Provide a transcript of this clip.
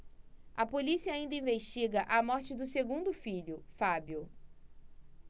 a polícia ainda investiga a morte do segundo filho fábio